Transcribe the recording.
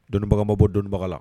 Dɔnnibaga ma bɔ dɔnnibaga la